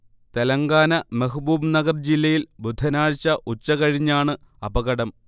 Telangana Mahbubnagar ജില്ലയിൽ ബുധനാഴ്ച ഉച്ചകഴിഞ്ഞാണ് അപകടം